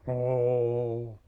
oli